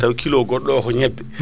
tawa kilo goɗɗo o ko ñebbe